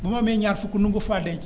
bu ma amee ñaar fukk mën nga ko faa denc